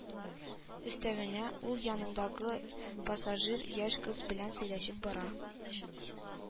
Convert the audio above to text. Өстәвенә, ул янындагы пассажир яшь кыз белән сөйләшеп бара